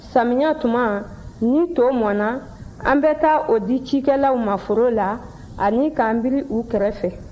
samiyɛ tuma ni to mɔna an bɛ taa o di cikɛlaw ma foro la u kɛrɛ fɛ